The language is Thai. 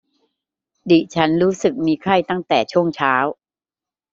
ดิฉันรู้สึกมีไข้ตั้งแต่ช่วงเช้า